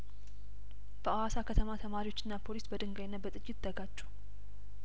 በአዋሳ ከተማ ተማሪዎችና ፖሊስ በድንጋይና በጥይት ተጋጩ